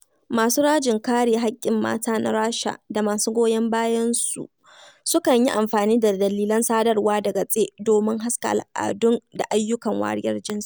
Masu rajin kare haƙƙin mata na Rasha da masu goyon bayansu sukan yi amfani da dandalin sadarwa da gatse domin haska al'adun da ayyukan wariyar jinsi.